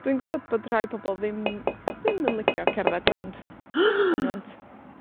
Dwi'n gwbod bod rhai pobol ddim, ddim yn licio cerdded rownd mynwent.